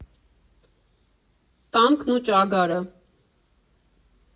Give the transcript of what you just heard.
Տանկն ու ճագարը։